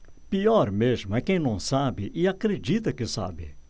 pior mesmo é quem não sabe e acredita que sabe